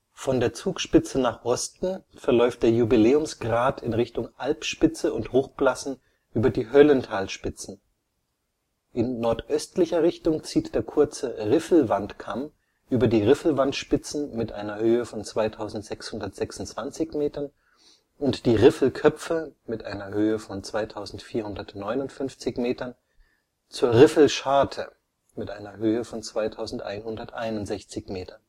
Von der Zugspitze nach Osten verläuft der Jubiläumsgrat in Richtung Alpspitze und Hochblassen über die Höllentalspitzen. In nordöstlicher Richtung zieht der kurze Riffelwandkamm über die Riffelwandspitzen (2626 m) und die Riffelköpfe (2459 m), zur Riffelscharte (2161 m